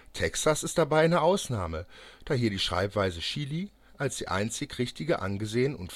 Texas ist dabei eine Ausnahme, da hier die Schreibweise Chili als die einzig richtige angesehen